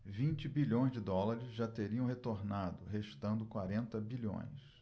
vinte bilhões de dólares já teriam retornado restando quarenta bilhões